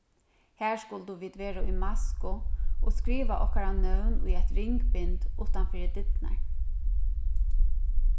har skuldu vit vera í masku og skriva okkara nøvn í eitt ringbind uttan fyri dyrnar